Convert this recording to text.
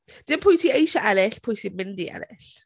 Dim pwy sy eisie ennill, pwy sy'n mynd i ennill?